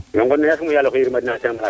we ngona yasam o yaaloxe yirma den